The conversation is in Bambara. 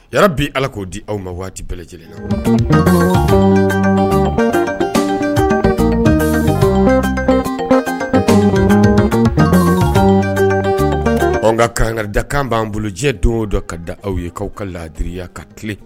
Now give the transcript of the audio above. Ya bi ala k'o di aw ma waati bɛɛ lajɛlen la kanga kan b'an bolojɛ don dɔ ka da aw ye'aw ka laadiriya ka tile